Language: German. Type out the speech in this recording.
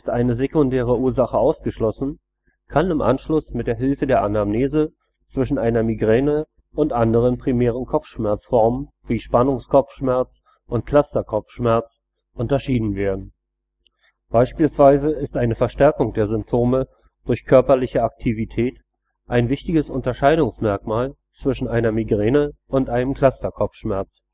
eine sekundäre Ursache ausgeschlossen, kann im Anschluss mit Hilfe der Anamnese zwischen einer Migräne und anderen primären Kopfschmerzformen, wie Spannungskopfschmerz und Cluster-Kopfschmerz, unterschieden werden. Beispielsweise ist eine Verstärkung der Symptome durch körperliche Aktivität ein wichtiges Unterscheidungsmerkmal zwischen einer Migräne und einem Clusterkopfschmerz